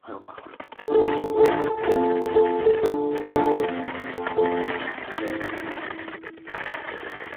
Hwyl fawr.